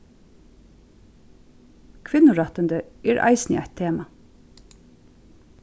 kvinnurættindi er eisini eitt tema